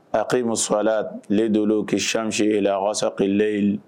A ko i musola le don ki scie la walasasap yi